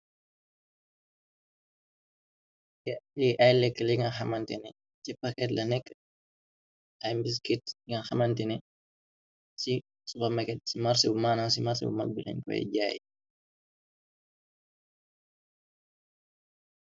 Li ay lekk li nga hamantene ci pakèt la nekk, ay biscuits yu ang hamantene ci supermarket ci marchè manam ci marchè bi mag leen koy jaye.